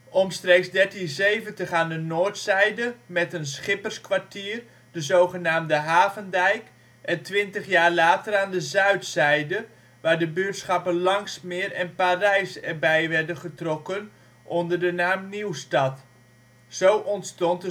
Omstreeks 1370 aan de noordzijde met een schipperskwartier, de zogenaamde Havendijk en twintig jaar later aan de zuidzijde waar de buurtschappen Lanxmeer en Parijsch erbij werden getrokken onder de naam Nieuwstad. Zo ontstond